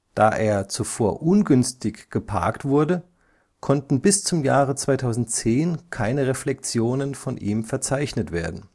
Da er zuvor ungünstig geparkt wurde, konnten bis zum Jahre 2010 keine Reflexionen von ihm verzeichnet werden